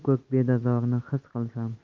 ko'k bedazorni xis qilsam